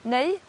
neu